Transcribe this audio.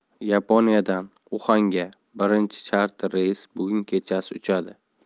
yaponiyadan uxanga birinchi charter reys bugun kechasi uchadi